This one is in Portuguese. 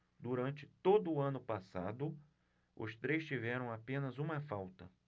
durante todo o ano passado os três tiveram apenas uma falta